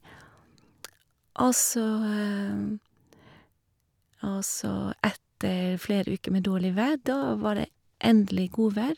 og så Og så etter flere uker med dårlig vær, da var det endelig godvær.